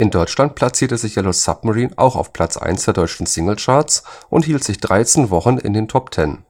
Deutschland platzierte sich „ Yellow Submarine “auch auf Platz Eins der deutschen Singlecharts und hielt sich 13 Wochen in den Top 10.